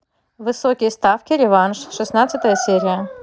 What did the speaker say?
высокие ставки реванш шестнадцатая серия